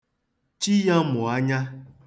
Chi ya mụ anya.